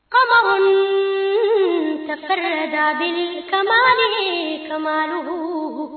Kamalensonin cɛ da kain kadugu